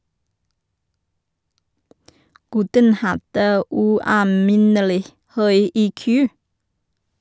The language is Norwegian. Gutten hadde ualminnelig høy IQ.